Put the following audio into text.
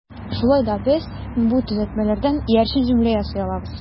Шулай да без бу төзелмәләрдән иярчен җөмлә ясый алабыз.